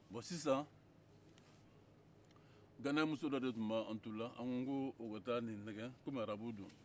bon sisan ganakamuso dɔ de tun b'an tula an ko k'o ka taa nin nɛgɛn kɔmi arabu don